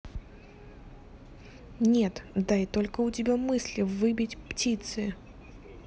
нет дай только у тебя мысли выбить птицы